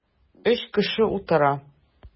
Өч кеше утыра.